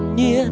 nhiên